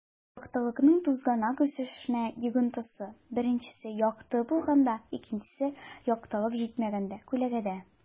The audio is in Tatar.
Яктылыкның тузганак үсешенә йогынтысы: 1 - якты булганда; 2 - яктылык җитмәгәндә (күләгәдә)